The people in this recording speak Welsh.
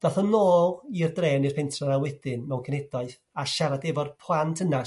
Da'th y nôl i'r dre' ne'r pentre' 'na wedyn mwn cenhedlaeth a siarad efo'r plant yna